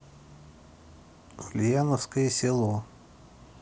ульяновское село